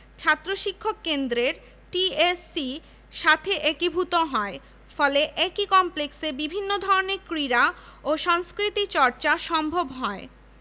ওই সকল প্রশিক্ষণ সমন্বয়ের জন্য ১৯৭৯ সালে বাংলাদেশ জাতীয় ক্যাডেট কোর বিএনসিসি গঠন করা হয় ১৯৬৬ সালের ডিসেম্বর মাসে শুরু হয়